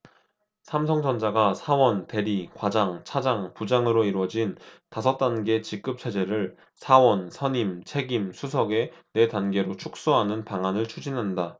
삼성전자가 사원 대리 과장 차장 부장으로 이뤄진 다섯 단계 직급체계를 사원 선임 책임 수석의 네 단계로 축소하는 방안을 추진한다